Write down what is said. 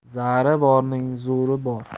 zari borning zo'ri bor